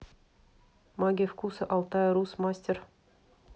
магия вкуса алтая рус мастер